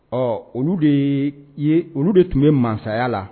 Ɔ olu de ye olu de tun bɛ mansaya la